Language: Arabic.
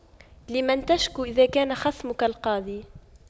لمن تشكو إذا كان خصمك القاضي